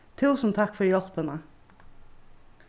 túsund takk fyri hjálpina